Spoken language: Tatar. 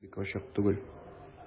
Бу бик ачык түгел...